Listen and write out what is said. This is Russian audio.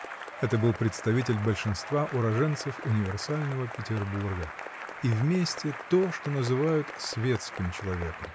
Это был представитель большинства уроженцев универсального Петербурга и вместе то, что называют светским человеком.